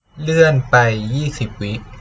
เลื่อนไปยี่สิบวิ